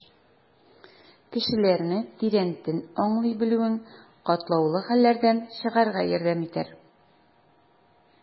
Кешеләрне тирәнтен аңлый белүең катлаулы хәлләрдән чыгарга ярдәм итәр.